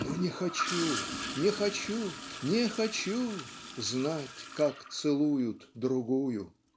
Но не хочу, не хочу, не хочу Знать, как целуют другую.